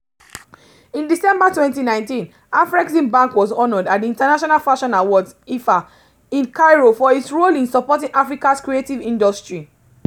In December 2019, Afreximbank was honored at the International Fashion Awards (IFA) in Cairo for its role in supporting Africa's creative industry.